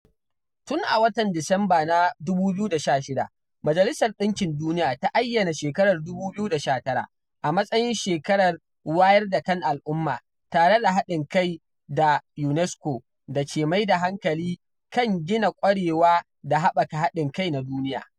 Tun a watan Disamba na 2016, Majalisar Ɗinkin Duniya ta ayyana shekarar 2019 a matsayin shekarar wayar da kan al'umma, tare da haɗin kai da UNESCO da ke mai da hankali kan gina ƙwarewa da haɓaka haɗin kai na duniya.